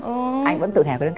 anh vẫn tự hào đứng